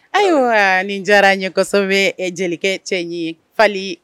Ayiwa nin diyara n ye kosɛbɛ jelikɛ cɛɲi Fali